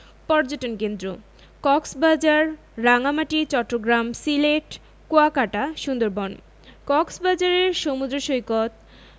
পর্যটন কেন্দ্রঃ কক্সবাজার রাঙ্গামাটি চট্টগ্রাম সিলেট কুয়াকাটা সুন্দরবন কক্সবাজারের সমুদ্র সৈকত